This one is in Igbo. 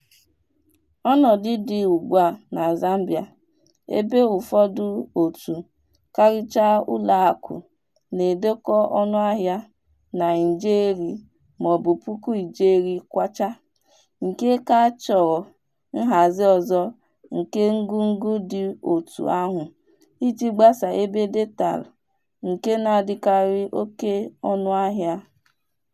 Ọnọdụ dị ugbua na Zambia, ebe ụfọdụ òtù, karịchaa ụlọakụ na-edekọ ọnụahịa na ijeri maọbụ puku ijeri Kwacha, nke ka chọrọ nhazi ọzọ nke ngwugwu dị otú ahụ iji gbasaa ebe data, nke na-adịkarị oké ọnụahịa.